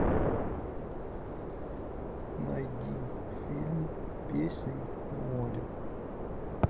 найди фильм песнь моря